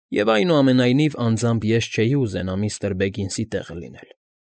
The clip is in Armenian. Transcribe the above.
Եվ, այնուամենայնիվ, անձամբ ես չէի ուզենա միստր Բեգինսի տեղը լինել։